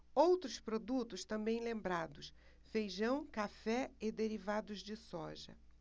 outros produtos também lembrados feijão café e derivados de soja